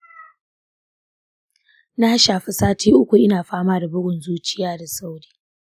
na shafe sati uku ina fama da bugun zuciya da sauri.